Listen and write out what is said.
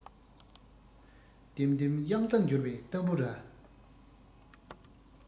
ལྡེམ ལྡེམ དབྱངས རྟ འགྱུར བའི ཏམ བུ ར